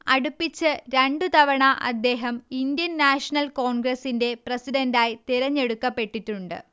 അടുപ്പിച്ച് രണ്ടു തവണ അദ്ദേഹം ഇന്ത്യൻ നാഷണൽ കോൺഗ്രസിന്റെ പ്രസിഡന്റായി തെരഞ്ഞെടുക്കപ്പെട്ടിട്ടുണ്ട്